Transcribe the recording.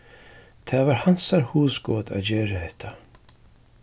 tað var hansara hugskot at gera hetta